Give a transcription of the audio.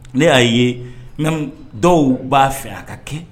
Ne y'a ye nka dɔw b'a fɛ a ka kɛ